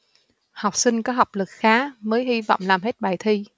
học sinh có học lực khá mới hy vọng làm hết bài thi